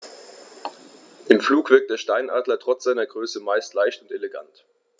Im Flug wirkt der Steinadler trotz seiner Größe meist sehr leicht und elegant.